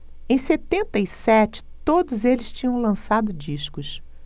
em setenta e sete todos eles tinham lançado discos